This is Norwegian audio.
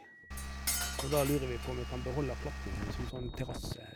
Så det lurer vi på om vi kan beholde platningen som sånn terrasse.